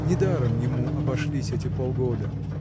Не даром ему обошлись эти полгода.